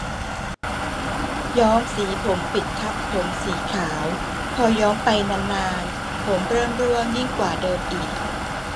ย้อมสีผมปิดทับผมสีขาวพอย้อมไปนานนานผมเริ่มร่วงยิ่งกว่าเดิมอีก